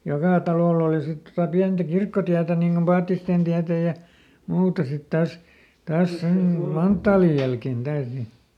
joka talolla oli sitten tuota pientä kirkkotietä niin kuin Paattisten tietä ja muuta sitten taas taas sen - manttaalin jälkeen taas niin